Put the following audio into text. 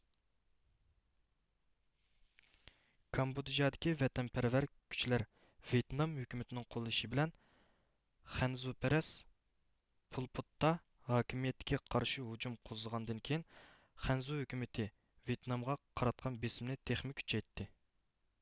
كامبودژادىكى ۋەتەنپەرۋەر كۈچلەر ۋيېتنام ھۆكۈمىتىنىڭ قوللىشى بىلەن خەنزۇپەرەس پولپوتتا ھاكىمىيىتىگە قارشى ھۇجۇم قوزغىغاندىن كېيىن خەنزۇ ھۆكۈمىتى ۋيېتنامغا قاراتقان بېسىمىنى تېخىمۇ كۈچەيتتى